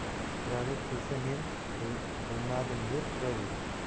xiralik qilsa men bilmadim deb turavering